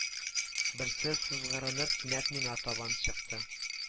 Берсе сызгырынып кинәт миңа табан чыкты